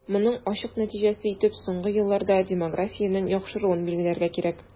Моның ачык нәтиҗәсе итеп соңгы елларда демографиянең яхшыруын билгеләргә кирәк.